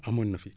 amoon na fi